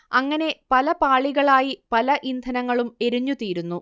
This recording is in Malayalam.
അങ്ങനെ പല പാളികളായി പല ഇന്ധനങ്ങളും എരിഞ്ഞുതീരുന്നു